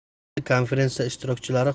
hurmatli konferensiya ishtirokchilari